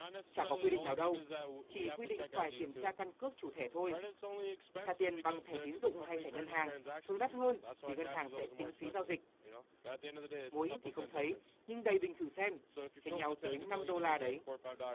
chả có quy định nào đâu chỉ quy định phải kiểm tra căn cước chủ thẻ thôi trả tiền bằng thẻ tín dụng hay thẻ ngân hàng thường đắt hơn vì ngân hàng sẽ tính phí giao dịch mua ít thì không thấy nhưng đầy bình thử xem chênh nhau tới năm đô la đấy